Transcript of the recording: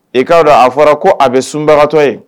I k'a dɔn a fɔra ko a bɛ sunbagatɔ ye